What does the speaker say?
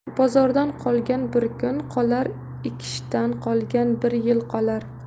bozordan qolgan bir kun qolar ekishdan qolgan bir yil qolar